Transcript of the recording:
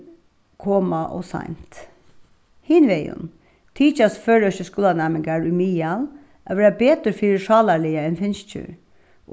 koma ov seint hinvegin tykjast føroyskir skúlanæmingar í miðal at vera betur fyri sálarliga enn finskir